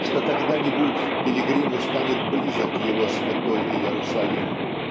что когда-нибудь пилигриму станет близок его святой Иерусалим.